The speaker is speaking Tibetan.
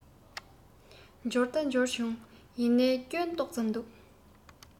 འབྱོར ད འབྱོར བྱུང ཡིན ནའི སྐྱོན ཏོག ཙམ འདུག